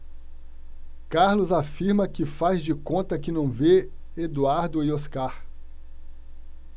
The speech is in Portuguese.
carlos afirma que faz de conta que não vê eduardo e oscar